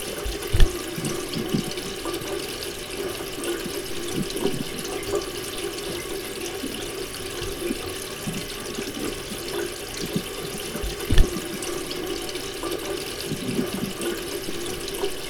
Meeshaani waa guri villa ah kalarkisa cadaan madow albaabka waa cagaar geed cagaaran ayaa ka baxaayo